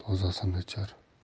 suvning tozasini ichar